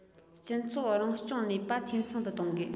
སྤྱི ཚོགས རང སྐྱོང ནུས པ འཐུས ཚང དུ གཏོང དགོས